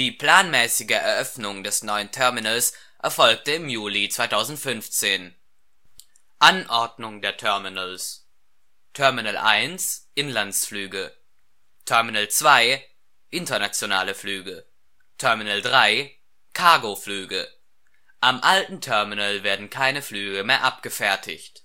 planmäßige Eröffnung des neuen Terminals erfolgte im Juli 2015. Anordnung der Terminals: Terminal 1 Inlandsflüge, Terminal 2 internationale Flüge, Terminal 3 Cargoflüge. Am alten Terminal werden keine Flüge mehr abgefertigt